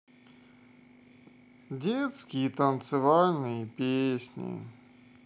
детские танцевальные песни